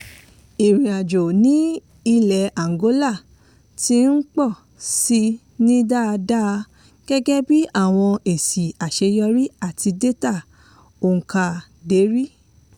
Ìrìn-àjò ní ilẹ̀ Angola ti ń pọ̀ si ní dáadáa, gẹ́gẹ́ bí àwọn èsì àṣeyọrí àti dátà òǹkàdérí.